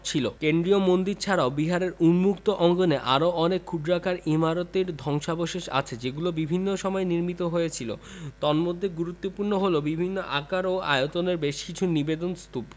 ছিল কেন্দ্রীয় মন্দির ছাড়াও বিহারের উম্মুক্ত অঙ্গনে আরও অনেক ক্ষুদ্রাকার ইমারতাদির ধ্বংসাবশেষ আছে যেগুলি বিভিন্ন সময়ে নির্মিত হয়েছিল তন্মধ্যে গুরুত্বপূর্ণ হলো বিভিন্ন আকার ও আয়তনের বেশ কিছু নিবেদন স্তূপ